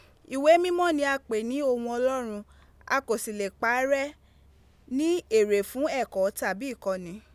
Iwe mimo ni a n pe ni “ohun Olorun”, a ko si le paa re, “ni ere fun eko” tabi ikoni”